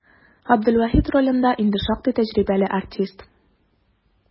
Габделвахит ролендә инде шактый тәҗрибәле артист.